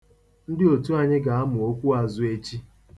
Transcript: Ndị otu anyị ga-amụ okwuazụ echi.